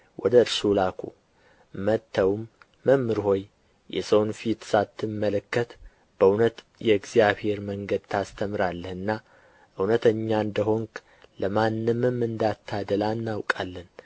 ወደ እርሱ ላኩ መጥተውም መምህር ሆይ የሰውን ፊት ሳትመለከት በእውነት የእግዚአብሔር መንገድ ታስተምራለህና እውነተኛ እንደ ሆንህ ለማንምም እንዳታደላ እናውቃለን